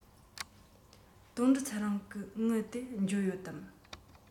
དོན གྲུབ ཚེ རིང གི དངུལ དེ འབྱོར ཡོད དམ